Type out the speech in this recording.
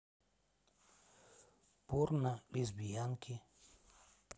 порно лесбиянки